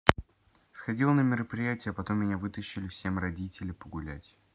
сходила на мероприятие потом меня вытащили всем родители погулять